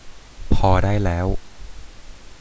พอได้แล้ว